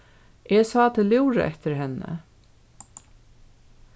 eg sá teg lúra eftir henni